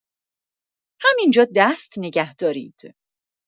همین‌جا دست نگه دارید.